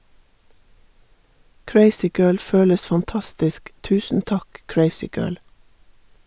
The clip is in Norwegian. Crazygirl føles fantastisk, tusen takk crazygirl.